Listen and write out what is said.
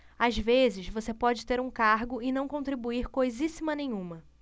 às vezes você pode ter um cargo e não contribuir coisíssima nenhuma